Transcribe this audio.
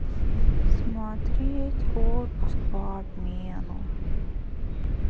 смотреть отпуск по обмену